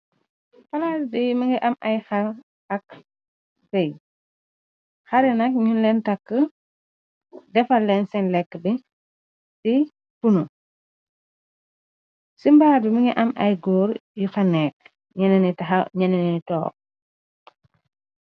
Palas bi mi nga am ay xar ak bey xar yi nak ñu leen takka defal leen seen lekka bi si punu ci mbaar bi mi ngay am ay gór yu fa nèkka yenen yi taxaw yenen yi tóóg.